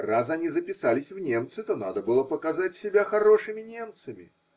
Раз они записались в немцы, то надо было показать себя хорошими немцами.